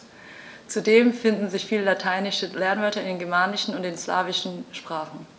Zudem finden sich viele lateinische Lehnwörter in den germanischen und den slawischen Sprachen.